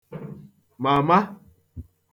màma